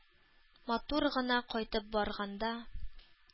Матур гына кайтып барганда